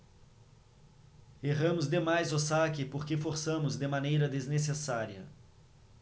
erramos demais o saque porque forçamos de maneira desnecessária